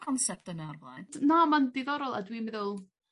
concept yna o'r blaen. Na ma'n diddorol a dwi meddwl